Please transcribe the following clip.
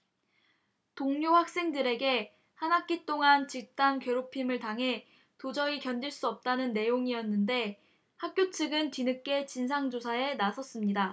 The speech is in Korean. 동료 학생들에게 한 학기 동안 집단 괴롭힘을 당해 도저히 견딜 수 없다는 내용이었는데 학교 측은 뒤늦게 진상조사에 나섰습니다